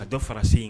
Ka tɛ fara se